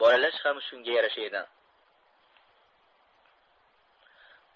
bolalash ham shunga yarasha edi